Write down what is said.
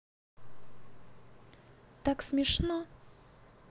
так смешно